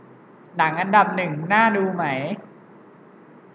หนังอันดับหนึ่งน่าดูไหม